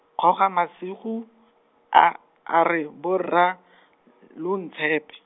Kgogamasigo a, a re borra , lo ntshepe.